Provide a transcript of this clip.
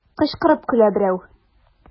Кычкырып көлә берәү.